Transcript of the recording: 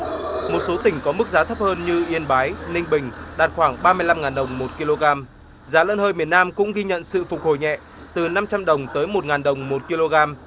một số tỉnh có mức giá thấp hơn như yên bái ninh bình đạt khoảng ba mươi lăm ngàn đồng một ki lô gam giá lợn hơi miền nam cũng ghi nhận sự phục hồi nhẹ từ năm trăm đồng tới một ngàn đồng một ki lô gam